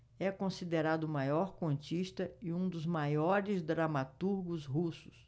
é considerado o maior contista e um dos maiores dramaturgos russos